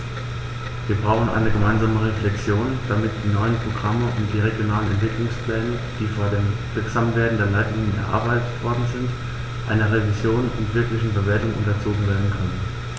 Wir brauchen eine gemeinsame Reflexion, damit die neuen Programme und die regionalen Entwicklungspläne, die vor dem Wirksamwerden der Leitlinien erarbeitet worden sind, einer Revision und wirklichen Bewertung unterzogen werden können.